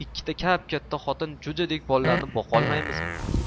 ikkita kap katta xotin jo'jadek bollarni boqolmaymizmi